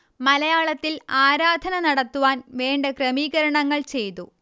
മലയാളത്തിൽ ആരാധന നടത്തുവാൻ വേണ്ട ക്രമീകരണങ്ങൾ ചെയ്തു